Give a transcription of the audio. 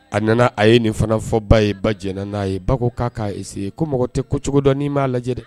A nana a ye nin fana fɔba ye ba jna n'a ye ba k'a' ko mɔgɔ tɛ ko cogodɔn'i b'a lajɛ dɛ